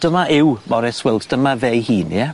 Dyma yw Maurice Wilks dyma fe'i hun ie?